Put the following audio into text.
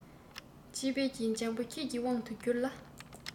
དཔྱིད དཔལ གྱི ལྗང བུ ཁྱེད ཀྱི དབང དུ གྱུར ལ